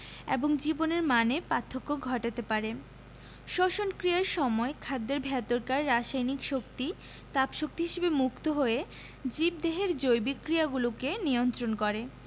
ও জীবনের মানে পার্থক্য ঘটাতে পারে শ্বসন ক্রিয়ার সময় খাদ্যের ভেতরকার রাসায়নিক শক্তি তাপ শক্তি হিসেবে মুক্ত হয়ে জীবদেহের জৈবিক ক্রিয়াগুলোকে নিয়ন্ত্রন করে